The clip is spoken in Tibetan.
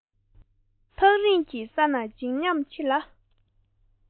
ཐག རིང གི ས ན བརྗིད ཉམས ཆེ ལ